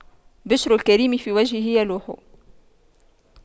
بِشْرُ الكريم في وجهه يلوح